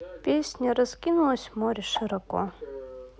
песня раскинулось море широко